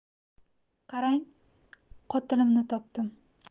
qarang qotilimni topdim